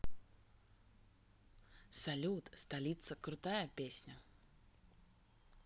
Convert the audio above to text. салют столица крутая песня